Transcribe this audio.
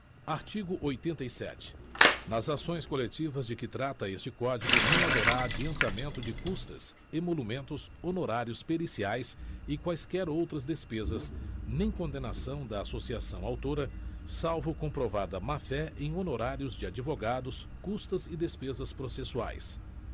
artigo oitenta e sete nas ações coletivas de que trata este código não haverá adiantamento de custas emolumentos honorários periciais e quaisquer outras despesas nem condenação da associação autora salvo comprovada máfé em honorários de advogados custas e despesas processuais